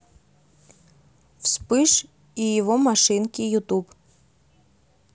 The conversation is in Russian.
вспыш и его машинки ютуб